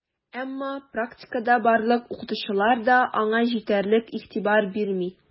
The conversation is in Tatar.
Әмма практикада барлык укытучылар да аңа җитәрлек игътибар бирми: